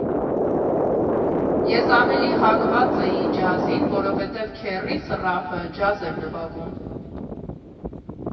Ես ավելի հակված էի ջազին, որոհվետև քեռիս՝ Ռաֆը, ջազ էր նվագում։